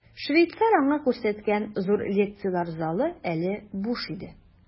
Швейцар аңа күрсәткән зур лекцияләр залы әле буш иде.